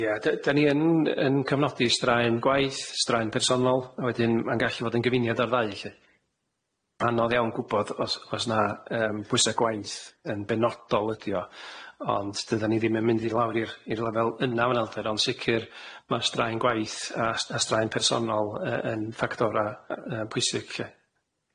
Ie de- dan ni yn yn cyfnodi straen gwaith, straen personol, a wedyn ma'n gallu fod yn gyfuniad ar ddau lly. Anodd iawn gwbod os os na yym pwysa gwaith yn benodol ydi o. Ond dydan ni ddim yn mynd i lawr i'r i'r lefel yna fynalder ond sicir ma' straen gwaith a s- a straen personol yy yn ffactora yy yy pwysig lly.